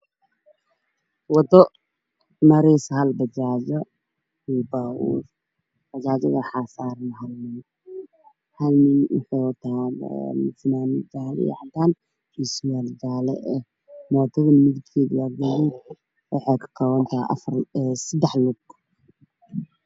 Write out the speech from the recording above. Meeshaan waxaa iga muuqda waddo ay marayaan baabuur iyo bajaaj baabuurka kelirkiisu waa caddaan bajaajtuna waa guduud bajaajta waxay leedahay saddex lugood baabuurka na afar lugood bajaajta waxaa saaran hal nin